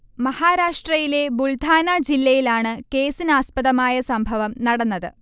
മഹാരാഷ്ട്രയിലെ ബുൾധാന ജില്ലയിലാണ് കേസിന് ആസ്പദമായ സംഭവം നടന്നത്